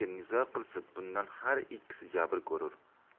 nizo qilsa bundan har ikkisi jabr ko'rur